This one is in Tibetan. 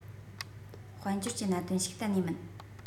དཔལ འབྱོར གྱི གནད དོན ཞིག གཏན ནས མིན